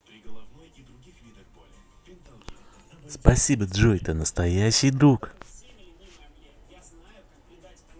спасибо джой ты настоящий друг